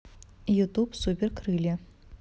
ютуб супер крылья